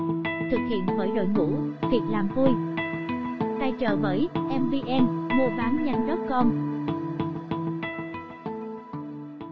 thực hiện bởi đội ngũ việc làm vui tài trợ bởi muabannhanh com